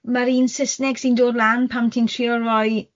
ma'r un Saesneg sy'n dod lan pan ti'n trio roi